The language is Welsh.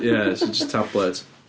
Ie, so jyst tablet.